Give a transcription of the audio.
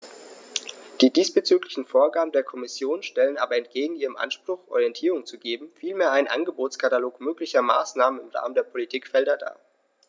Die diesbezüglichen Vorgaben der Kommission stellen aber entgegen ihrem Anspruch, Orientierung zu geben, vielmehr einen Angebotskatalog möglicher Maßnahmen im Rahmen der Politikfelder dar.